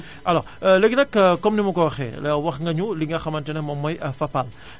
alors léegi nag comme ni ma ko waxee wax nga ñu li nga xamante ne moom mooy Fapal